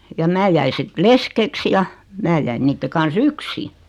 ja minä jäin sitten leskeksi ja minä jäin niiden kanssa yksin